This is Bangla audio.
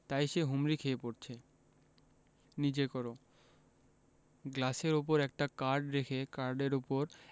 তাই সে হুমড়ি খেয়ে পড়ছে নিজে কর গ্লাসের উপর একটা কার্ড রেখে কার্ডের উপর